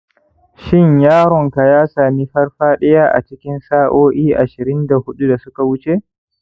shin yaronka ya sami farfadiya a cikin sa'o'i ashirin da hudu da suka wuce